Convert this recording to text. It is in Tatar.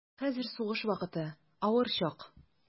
Хәзер сугыш вакыты, авыр чак.